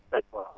Seck waaw